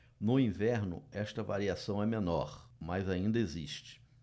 no inverno esta variação é menor mas ainda existe